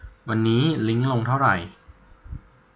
วันนี้ลิ้งลงเท่าไหร่